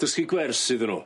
Dysgu gwers iddyn nw.